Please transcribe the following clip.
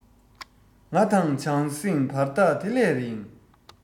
ང དང བྱང སེམས བར ཐག དེ ལས རིང